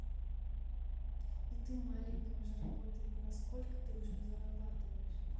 ну ты маленькая уже работает на сколько ты уже зарабатываешь